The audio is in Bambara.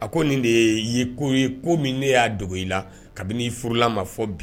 A ko nin de ye ye ko ye ko min ne ya dogo i la kabini i furula n ma fo bi